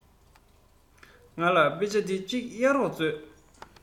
ང ལ དཔེ ཆ འདི གཅིག གཡར རོགས མཛོད